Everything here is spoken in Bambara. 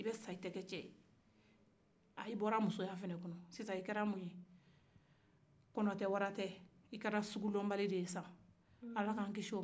i bɛ sa i tɛ kɛ cɛ ye i bɔra fuso ya fɛlɛ la i kɛra mun ye kɔnɔ tɛ wara tɛ sugudɔn bali